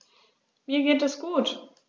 Mir geht es gut.